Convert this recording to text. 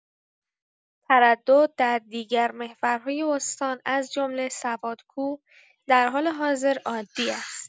تردد در دیگر محورهای استان از جمله سوادکوه در حال حاضر عادی است.